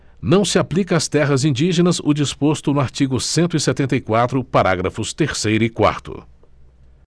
não se aplica às terras indígenas o disposto no artigo cento e setenta e quatro parágrafos terceiro e quarto